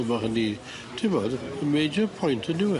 Wel ma' hynny t'mod yn major point yndyw e?